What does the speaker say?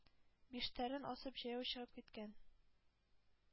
Биштәрен асып, җәяү чыгып киткән.